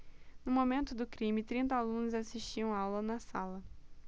no momento do crime trinta alunos assistiam aula na sala